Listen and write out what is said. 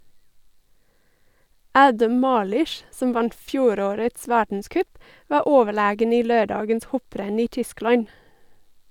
Adam Malysz , som vant fjorårets verdenscup, var overlegen i lørdagens hopprenn i Tyskland.